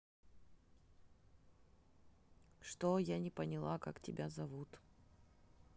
что я не поняла как тебя зовут